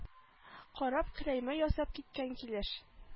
Карап келәймә ясап киткән килеш